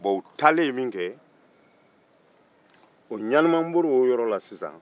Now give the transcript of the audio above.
u taalen min kɛ o ɲanimaboli o yɔrɔ la sisan